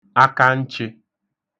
akanchị